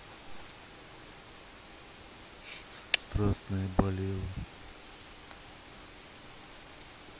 страстная болела